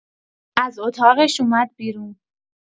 از اتاقش اومد بیرون